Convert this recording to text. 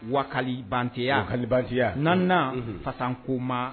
Wakalibantɛya, nanni na fasakoma